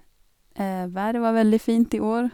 Været var veldig fint i år.